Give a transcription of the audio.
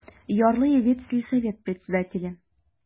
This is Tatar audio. Ярлы егет, сельсовет председателе.